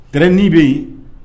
Kɛlɛin bɛ yen